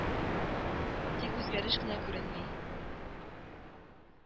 Тик үзгәреш кенә күренми.